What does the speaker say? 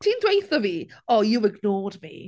Ti'n dweutho fi, "oh, you've ignored me."